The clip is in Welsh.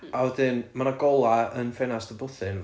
A wedyn ma' 'na gola yn ffenast y bwthyn